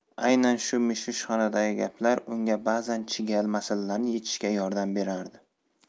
aynan shu mish mishxonadagi gaplar unga ba'zan chigal masalalarni yechishga yordam berardi